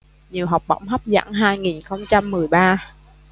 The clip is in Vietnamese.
nhiều học bổng hấp dẫn hai nghìn không trăm mười ba